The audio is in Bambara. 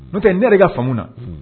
Ne n ne i ka faamu na